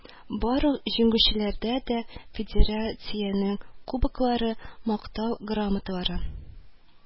Барлык җиңүчеләргә дә федерациянең кубоклары, Мактау грамоталары,